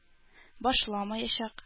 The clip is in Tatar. Башламаячак